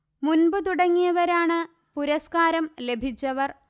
മുൻപ് തുടങ്ങിയവരാണ് പുരസ്കാരം ലഭിച്ചവർ